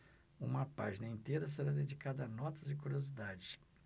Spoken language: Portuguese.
uma página inteira será dedicada a notas e curiosidades